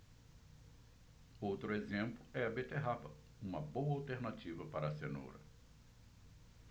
outro exemplo é a beterraba uma boa alternativa para a cenoura